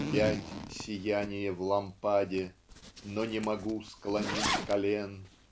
Опять сияние в лампаде, Но не могу склонить колен.